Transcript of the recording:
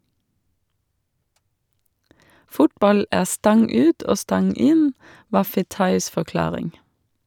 Fotball er stang ut og stang inn, var Fetais forklaring.